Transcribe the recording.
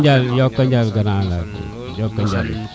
njokonjal njokonjal grand jokonjal